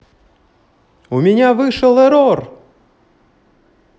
у меня вышел ерор